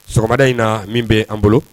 Sɔgɔmada in na min bɛ an bolo